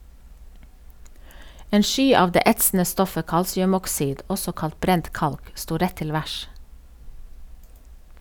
En sky av det etsende stoffet kalsiumoksid, også kalt brent kalk, sto rett til værs.